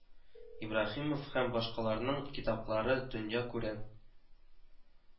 Ибраһимов һәм башкаларның китаплары дөнья күрә